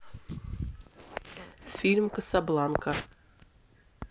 фильм касабланка